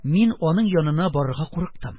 Мин аның янына барырга курыктым.